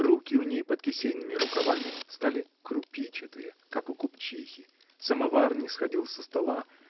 руки у ней под кисейными рукавами стали "крупичатые", как у купчихи самовар не сходил со стола